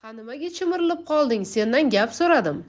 ha nimaga chimirilib qolding sendan gap so'radim